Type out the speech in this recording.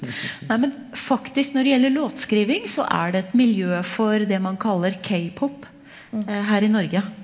nei men faktisk når det gjelder låtskriving så er det et miljø for det man kaller k-pop her i Norge.